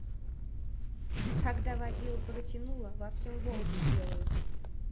когда водила протянула во всем волки делают